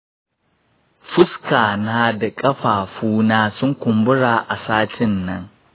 fuska na da ƙafafuna sun kumbura a satin nan.